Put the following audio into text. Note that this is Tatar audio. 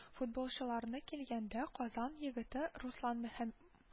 Футболчыларны килгәндә, Казан егете Руслан Мөһәм